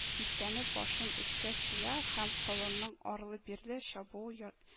Сискәнеп башын өскә чөя һәм, колынның арлы-бирле чабуы я